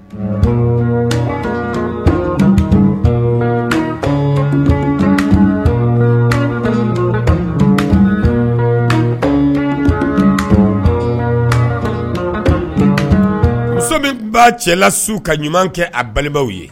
Muso min b'a cɛlasiw ka ɲuman kɛ a balimaw ye